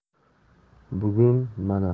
bugun mana